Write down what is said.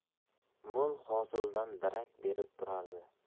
mo'l hosildan darak berib turardi